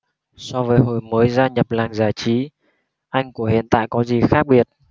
so với hồi mới gia nhập làng giải trí anh của hiện tại có gì khác biệt